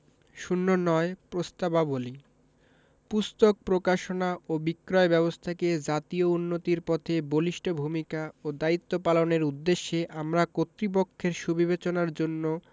০৯ প্রস্তাবাবলী পুস্তক প্রকাশনা ও বিক্রয় ব্যাবস্থাকে জাতীয় উন্নতির পথে বলিষ্ঠ ভূমিকা ও দায়িত্ব পালনের উদ্দেশ্যে আমরা কর্তৃপক্ষের সুবিবেচনার জন্য